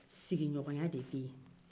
sigiɲɔgɔnya de bɛ yen